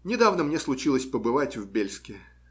Недавно мне случилось побывать в Бельске.